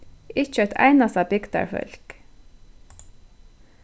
ikki eitt einasta bygdarfólk